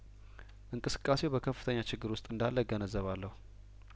እንቅስቃሴው በከፍተኛ ችግር ውስጥ እንዳለ እገነዘባለሁ